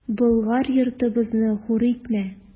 Болгар йортыбызны хур итмә!